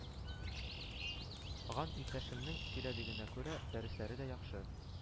Ган иптәшемнең сөйләдегенә күрә, дәресләре дә яхшы